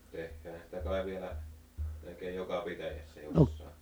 tehdäänhän sitä kai vielä melkein joka pitäjässä jossakin